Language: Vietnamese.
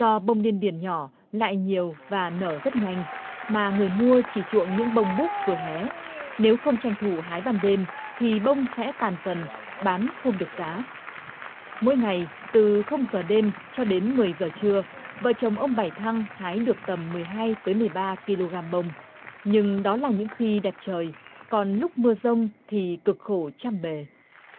do bông điên điển nhỏ lại nhiều và nở rất nhanh mà người mua chỉ chuộng những bông búp vừa hé nếu không tranh thủ hái ban đêm thì bông sẽ tàn dần bán không được giá mỗi ngày từ không giờ đêm cho đến mười giờ trưa vợ chồng ông bảy thăng hái được tầm mười hai tới mười ba kg bông nhưng đó là những khi đẹp trời còn lúc mưa giông thì cực khổ trăm bề